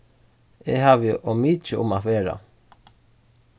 eg havi ov mikið um at vera